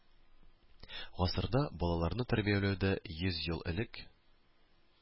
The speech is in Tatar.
Гасырда балаларны тәрбияләүдә йөз ел элек